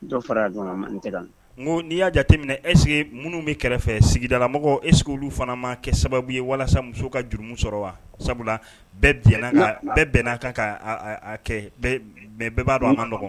Dɔ fara a kan, ma n tɛ ka mɛn, n ko n'i y'a jate minɛ esdt ce que_ minnu bɛ kɛrɛfɛ sigidala mɔgɔw est ce que olu fana ma kɛ sababu ye walasa muso ka jurumu sɔrɔ wa sabula bɛɛ jɛna a kan bɛɛ bɛn n'a kan ka a kɛ mais bɛɛ b'a dɔn an ma nɔgɔ